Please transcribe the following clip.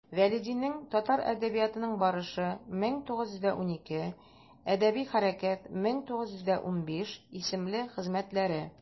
Вәлидинең «Татар әдәбиятының барышы» (1912), «Әдәби хәрәкәт» (1915) исемле хезмәтләре.